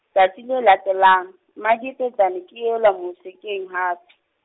tsatsi le latelang, mmadiepetsane ke elwa mosekeng hape.